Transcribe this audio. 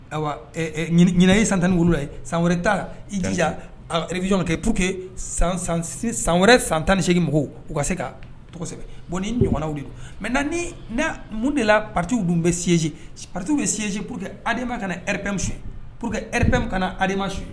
Ɲ ye san tanni ye san wɛrɛ ta i jija refiɔn kɛ po que san wɛrɛ san tan nisegin mɔgɔw u ka se ka tɔgɔsɛbɛ bon ni ɲɔgɔnw de mɛ na ne mun de la patiw dun bɛ sji patuw bɛ sinji pour que adamama kana p suye pour que repme kana hama su ye